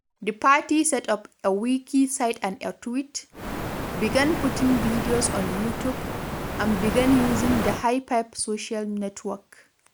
The party set up a Wiki site and a tweet, began putting videos on Youtube, and began using the Hi-5 social network.